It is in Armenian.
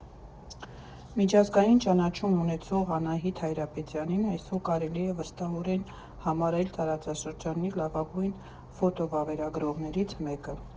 Միջազգային ճանաչում ունեցող Անահիտ Հայրապետյանին այսօր կարելի վստահորեն համարել տարածաշրջանի լավագույն ֆոտո֊վավերագրողներից մեկը։